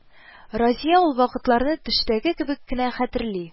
Разия ул вакытларны төштәге кебек кенә хәтерли